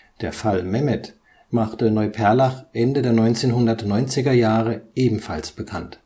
Der Fall Mehmet machte Neuperlach Ende der 1990er-Jahre ebenfalls bekannt